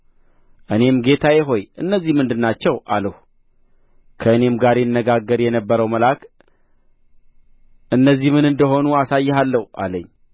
እኔም ጌታዬ ሆይ እነዚህ ምንድር ናቸው አልሁ ከእኔም ጋር ይነጋገር የነበረው መልአክ እነዚህ ምን እንደ ሆኑ አሳይሃለሁ አለኝ